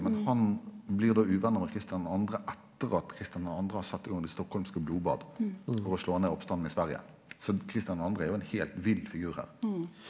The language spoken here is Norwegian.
men han blir då uvennar med Christian den andre etter at Christian den andre har satt i gong det stockholmske blodbad for å slå ned oppstanden i Sverige så Christian den andre er jo ein heilt vill figur her.